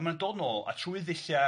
a ma'n dod yn ôl a trwy ddulliau